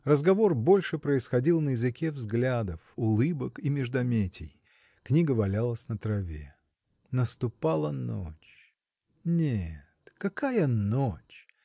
Разговор больше происходил на языке взглядов, улыбок и междометий. Книга валялась на траве. Наступала ночь. нет, какая ночь!